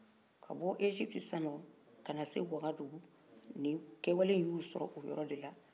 ka bɔ egypte sisan nɔn kana se wagadugu nin kɛwalen y'u sɔrɔ o yɔrɔ de la